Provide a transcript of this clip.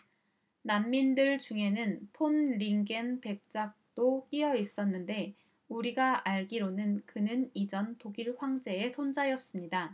난민들 중에는 폰 링겐 백작도 끼여 있었는데 우리가 알기로는 그는 이전 독일 황제의 손자였습니다